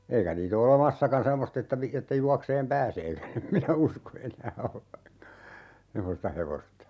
eikä niitä ole olemassakaan semmoista että - että juoksemaan pääseekään en minä usko enää olevankaan semmoista hevosta